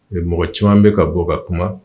Mais mɔgɔ caaman bɛ ka bɔ ka kuma